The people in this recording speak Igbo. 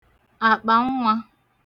àkpànnwā